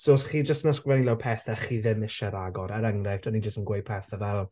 So os chi jyst yn ysgrifennu lawr pethau chi ddim eisiau rhagor er enghraifft o'n ni jyst yn gweud pethau fel...